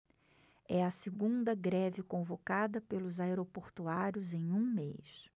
é a segunda greve convocada pelos aeroportuários em um mês